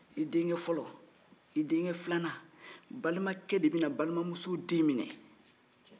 i denkɛ fɔlɔ i denkɛ filanan balimakɛ de bina balimamuso den minɛ